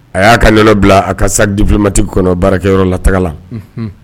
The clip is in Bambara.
A y'a ka nɔnɔ bila a ka sa dipmati kɔnɔ baarakɛyɔrɔ la taga la